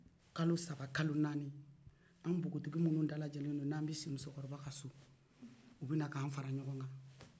kalo saba kalo naani an npogotigi minnu dalajɛlen do n'an bɛ si musokɔrɔba ka so u bɛ na k'an fara ɲɔgɔn kan